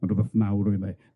Ma' rwbeth mawr o'i le.